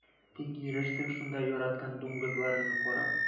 Тик йөрерсең шунда яраткан дуңгызларыңны карап.